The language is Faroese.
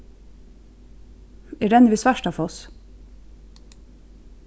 eg renni við svartafoss